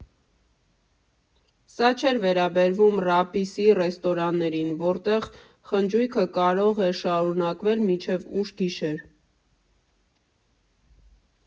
Սա չէր վերաբերվում ՌԱԲԻՍ֊ի ռեստորաններին, որտեղ խնջույքը կարող էր շարունակվել մինչև ուշ գիշեր։